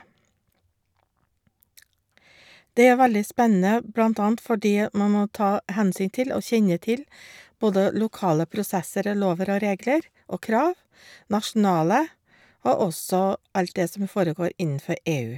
Det er veldig spennende, blant annet fordi at man må ta hensyn til og kjenne til både lokale prosesser og lover og regler og krav, nasjonale, og også alt det som foregår innenfor EU.